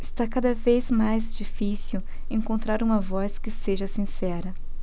está cada vez mais difícil encontrar uma voz que seja sincera